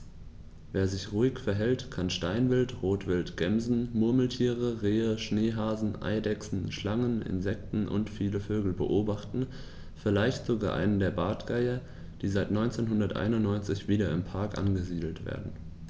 Wer sich ruhig verhält, kann Steinwild, Rotwild, Gämsen, Murmeltiere, Rehe, Schneehasen, Eidechsen, Schlangen, Insekten und viele Vögel beobachten, vielleicht sogar einen der Bartgeier, die seit 1991 wieder im Park angesiedelt werden.